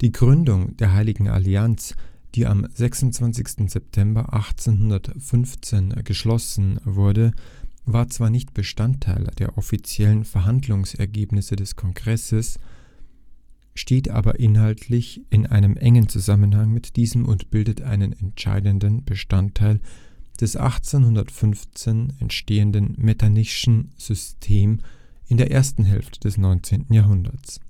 Gründung der Heiligen Allianz, die am 26. September 1815 geschlossen wurde, war zwar nicht Bestandteil der offiziellen Verhandlungsergebnisse des Kongresses, steht aber inhaltlich in einem engen Zusammenhang mit diesem und bildet einen entscheidenden Bestandteil des 1815 entstehenden Metternich’ schen Systems in der ersten Hälfte des 19. Jahrhunderts